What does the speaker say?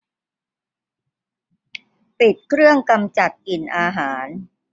ปิดเครื่องกำจัดกลิ่นอาหาร